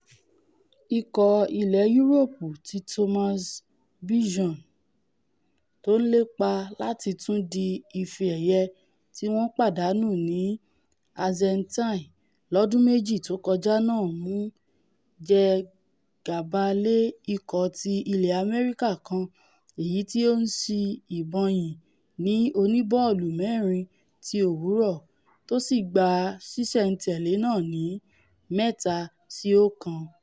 Ikọ̀ ilẹ̀ Yuroopu ti Thomas Bjorn, tó ńlépa láti tún di ife-ẹyẹ̀ tí wọ́n pàdánù ní Hazeltine lọ́dún méjì tókọjá náà mu, jẹ́ gàba lé ikọ̀ ti ilẹ̀ Amẹrika kan èyití ó ńsì ìbọn yìn ní oníbọ́ọ̀lù-mẹ́rin ti òwúrọ̀, tó sì gba ṣíṣẹ̀-n-tẹ̀lé náà ni 3-1.